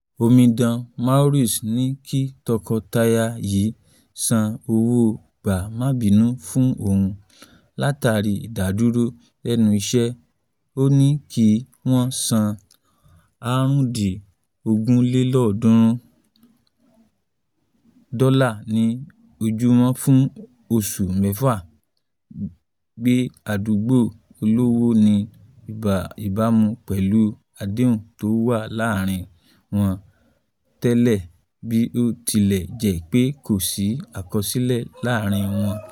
Omidan Maurice ní kí tọkọtaya yìí san owó-gbaà-má-binú fún òun látàrí ìdáduụró lẹ́nu iṣẹ́. Ó ní kí wọ́n san 350 dọlà ní ojúmọ́ fun oṣù mẹ́fà, gbé àdúgbò olówó ní ìbámu pẹ̀lú àdéhùn tó wà láàrin wọn tẹ́lẹ̀ bí ó tilẹ̀ jẹ́ pé kò sí àkọsílẹ̀ láàárin wọn.